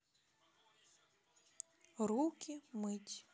руки мыть